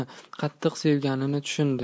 qattiq sevganini tushundi